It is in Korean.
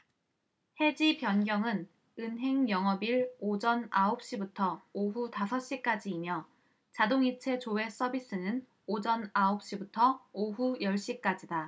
해지 변경은 은행 영업일 오전 아홉 시부터 오후 다섯 시까지이며 자동이체 조회 서비스는 오전 아홉 시부터 오후 열 시까지다